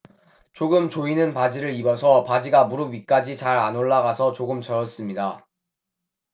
조금 조이는 바지를 입어서 바지가 무릎 위까지 잘 안 올라가서 조금 젖었습니다